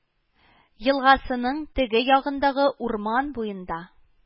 Елгасының теге ягындагы урман буенда